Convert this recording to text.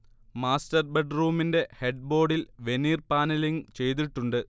master ബെഡ്റൂമിന്റെ head ബോർഡിൽ veneer panelling ചെയ്തിട്ടുണ്ട്